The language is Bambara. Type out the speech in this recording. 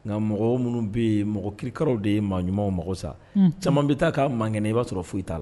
Nka mɔgɔ minnu bɛ yen mɔgɔ kikaw de ye maa ɲumanw mɔgɔ sa caman bɛ taa ka ma kɛnɛ i b'a sɔrɔ foyi i t ta la